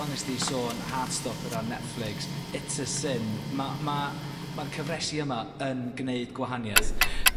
fel nest di sôn Heart Stopper ar Netflix. It's a Sin Ma' ma' ma'r cyfresi yma yn gneud gwahanieth.